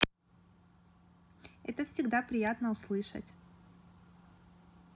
это всегда приятно услышать